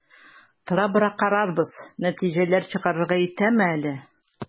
Тора-бара карарбыз, нәтиҗәләр чыгарырга иртәме әле?